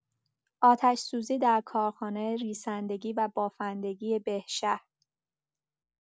آتش‌سوزی در کارخانه ریسندگی و بافندگی بهشهر